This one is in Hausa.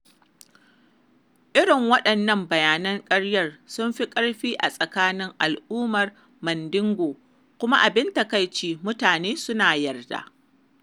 Irin waɗannan bayanan ƙaryar sun fi ƙarfi a tsakanin al'ummar Mandingo kuma abin takaici mutane suna yarda.